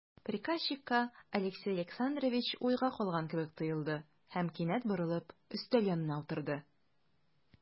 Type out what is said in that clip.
Приказчикка Алексей Александрович уйга калган кебек тоелды һәм, кинәт борылып, өстәл янына утырды.